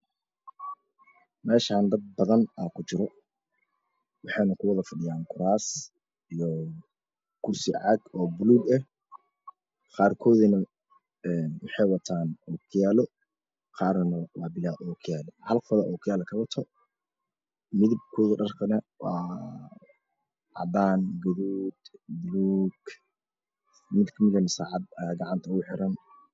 Meeshaan dad badan aa kujiro waxa ayna kuwada fadhiyaan kuraas iyo kursi caag oo buluug ah qaarkoodana waxay wataan ookiyaalo qaarna waa bilaa ookiyaalo hal qolaa ookiyaalo kawato midabkooda dharkana waa cadaan gaduud buluug mid kamidana saacad aa gacanta ugu xiran